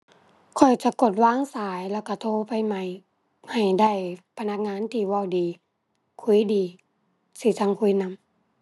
ข้อยจะกดวางสายแล้วก็โทรไปใหม่ ให้ได้พนักงานที่เว้าดี คุยดี สิจั่งคุยนำ